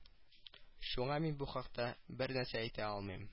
Шуңа мин бу хакта бернәрсә әйтә алмыйм